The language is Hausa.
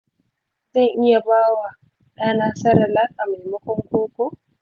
zan iya ba wa ɗa na cerelac a maimakon koko?